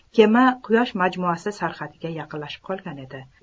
kema quyosh majumuasi sarhadiga yaqinlashib qolgan edi